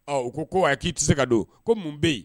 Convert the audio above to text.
Ɔ u ko ayi k'i tɛ se ka don ko mun bɛ yen